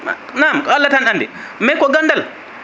name ko Allah tan andi ko mais ko gandal